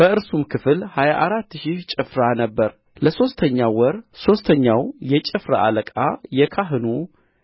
በእርሱም ክፍል ሀያ አራት ሺህ ጭፍራ ነበረ ለሦስተኛው ወር ሦስተኛው የጭፍራ አለቃ የካህኑ